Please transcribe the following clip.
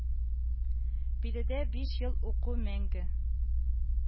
Биредә биш ел уку мәңге